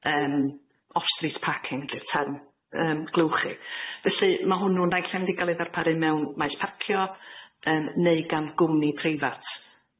Yym off-street parking ylly'r term yym glywch chi. Felly ma' hwnnw'n naill yn mynd i ga'l ei ddarparu mewn maes parcio yym neu gan gwmni preifat.